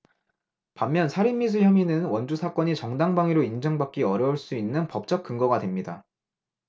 반면 살인미수 혐의는 원주 사건이 정당방위로 인정받기 어려울 수 있는 법적 근거가 됩니다